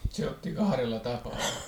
se otti kahdella tapaa